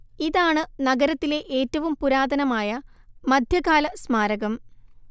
ഇതാണ് നഗരത്തിലെ ഏറ്റവും പുരാതനമായ മധ്യകാല സ്മാരകം